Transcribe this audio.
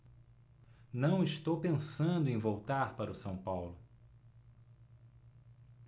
não estou pensando em voltar para o são paulo